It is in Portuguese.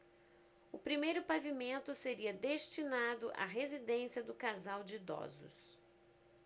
o primeiro pavimento seria destinado à residência do casal de idosos